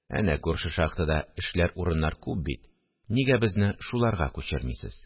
Әнә күрше шахтада эшләр урыннар күп бит, нигә безне шуларга күчермисез